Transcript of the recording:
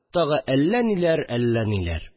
Тагы әллә ниләр, әллә ниләр